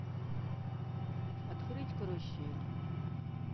открыть карусель